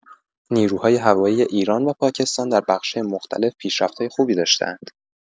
نیروهای هوایی ایران و پاکستان در بخش‌های مختلف پیشرفت‌های خوبی داشته‌اند.